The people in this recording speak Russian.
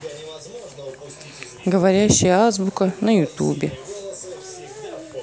говорящая азбука на ютубе